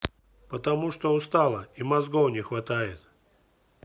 потому что устала или мозгов не хватает